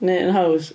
Neu yn haws...